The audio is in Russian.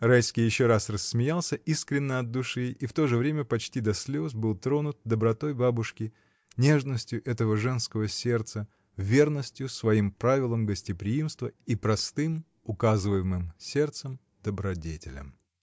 Райский еще раз рассмеялся искренно от души и в то же время почти до слез был тронут добротой бабушки, нежностью этого женского сердца, верностью своим правилам гостеприимства и простым, указываемым сердцем, добродетелям.